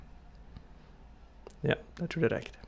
Ja, det tror det rekker, det.